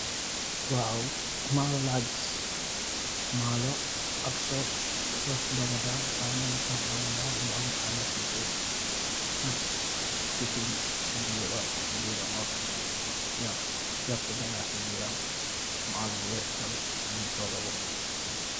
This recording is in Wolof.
Waaw, maalo laa gis, maalo ak soos, soos I domodaa, da melni soosi domodaa, ak bu am kaane si bir, ak ciikin si biram, waaw, yapi gënaar si biram, maalo bu weex tal buñg tooga ba pare